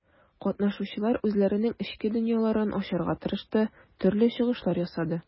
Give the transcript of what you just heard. Катнашучылар үзләренең эчке дөньяларын ачарга тырышты, төрле чыгышлар ясады.